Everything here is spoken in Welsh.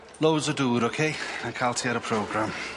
Loads o dŵr ok? Na'i ca'l ti ar y program.